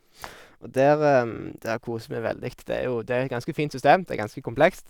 Og der der koser jeg meg veldig, det er jo det er et ganske fint system, det er ganske komplekst.